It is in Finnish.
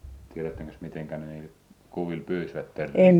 tiedättekös miten ne niillä kuvilla pyysivät teeriä